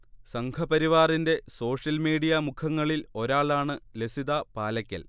സംഘപരിവാറിന്റെ social media മുഖങ്ങളിൽ ഒരാളാണ് ലസിത പാലയ്ക്കൽ